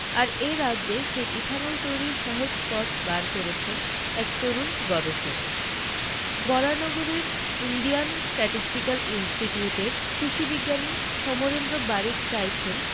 আর এ রাজ্যে সেই ইথানল তৈরীর সহজ পথ বার করেছেন এক তরুণ গবেষক বরানগরের ইন্ডিয়ান স্ট্যাটিস্টিক্যাল ইনস্টিটিউটের কৃষিবিজ্ঞানী সমরেন্দ্র বারিক চাইছেন